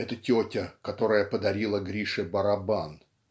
это тетя, которая подарила Грише барабан.